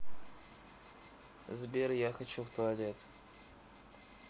сбер я хочу в туалет